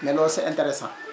mais loolu c' est interessant